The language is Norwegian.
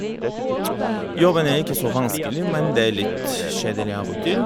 Jobben er ikke så vanskelig, men det er litt kjedelig av og til.